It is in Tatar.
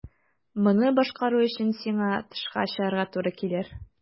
Моны башкару өчен сиңа тышка чыгарга туры килер.